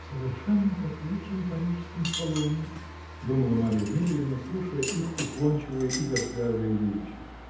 "Совершенно как в лучшем парижском салоне", -- думала Марья Дмитриевна, слушая их уклончивые и вертлявые речи.